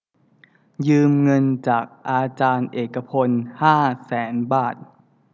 ยืมเงินจากอาจารย์เอกพลห้าแสนบาท